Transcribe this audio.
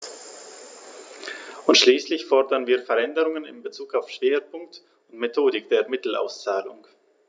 Und schließlich fordern wir Veränderungen in bezug auf Schwerpunkt und Methodik der Mittelauszahlung.